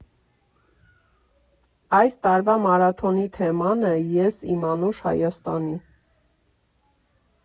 Այս տարվա մարաթոնի թեման է «Ես իմ անուշ Հայաստանի…